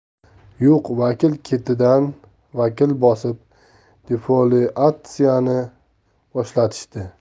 yo'q vakil ketidan vakil bosib defoliatsiyani boshlatishdi